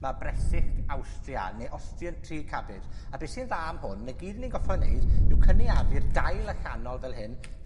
mae bresyllt Awstria neu Austrian tree cabbage, a be' sy'n dda am hwn 'na gyd ni'n gorffo' neud yw cynaeafu'r dail allanol fel hyn,